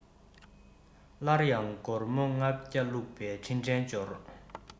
སླར ཡང སྒོར མོ ལྔ བརྒྱ བླུག པའི འཕྲིན ཕྲན འབྱོར